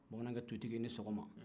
bamanankɛ tutigi i ni sɔgɔma